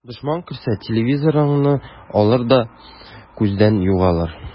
Дошман керсә, телевизорыңны алыр да күздән югалыр.